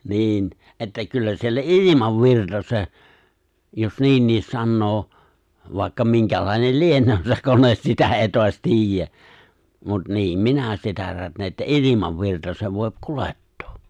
niin että kyllä siellä ilmavirta se jos niinkin sanoo vaikka minkälainen lienee se kone sitä ei taas tiedä mutta niin minä sitä rätnään että ilmanvirta se voi kuljettaa